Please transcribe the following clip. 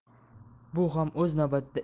bu ham o'z navbatida